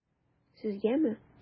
Сезгәме?